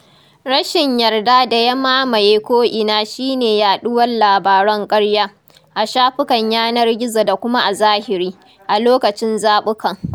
Rashin yarda da ya mamaye ko'ina shi ne yaɗuwar labaran ƙarya - a shafukan yanar gizo da kuma a zahiri - a lokacin zaɓukan.